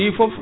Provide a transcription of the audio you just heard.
ɗi foof